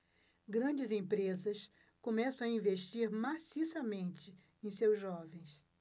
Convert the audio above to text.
grandes empresas começam a investir maciçamente em seus jovens